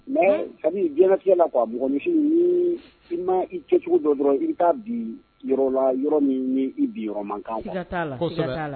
Mais c'est à dire diɲɛlatigɛ la mɔgɔnifin ni i ma i kɛcogo dɔ dɔrɔn i' bi yɔrɔ la yɔrɔ min ni i bi yɔrɔ man kan. Siga ta la.